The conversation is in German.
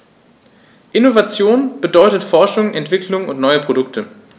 Innovation bedeutet Forschung, Entwicklung und neue Produkte.